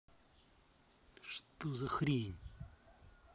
что за хрень